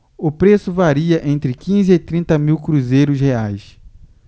o preço varia entre quinze e trinta mil cruzeiros reais